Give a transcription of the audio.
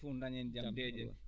fof dañen jam ndeeƴen